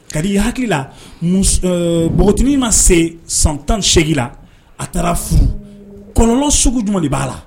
Ka di hakili la npogot ma se san tan seg la a taara furu kɔnɔn sugu jumɛn de b'a la